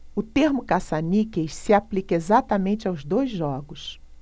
o termo caça-níqueis se aplica exatamente aos dois jogos